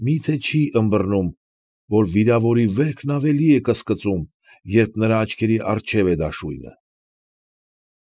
Մի՞թե չի ըմբռնում, որ վիրավորի վերքն ավելի է կսկծում, երբ նրա աչքերի առջև է դաշույնը։